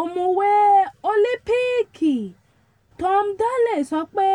Òmùwẹ̀ Òlíńpììkì Tom Daley sọ pé